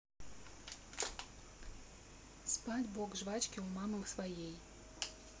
спать бог жвачки у мамы своей